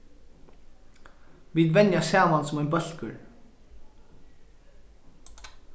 vit venja saman sum ein bólkur